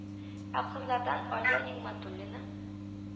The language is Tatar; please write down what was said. Ә кызлардан алия нигъмәтуллина